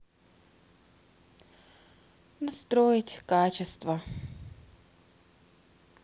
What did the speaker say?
настроить качество